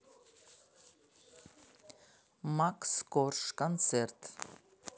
макс корж концерт